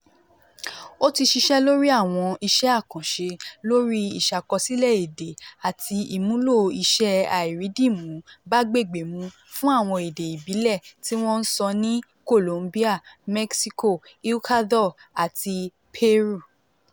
Ó ti ṣiṣẹ́ lórí àwọn iṣẹ́ àkànṣe lórí ìṣàkọsílẹ̀ èdè àti ìmúlò-iṣẹ́-àìrídìmú-bágbègbè-mu fún àwọn èdè ìbílẹ̀ tí wọ́n ń sọ ní Colombia, Mexico, Ecuador àti Peru.